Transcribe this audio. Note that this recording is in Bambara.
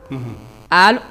Unhun